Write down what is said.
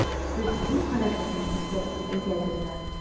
Сез юл һәлакәтен истә тотып әйтәсезме?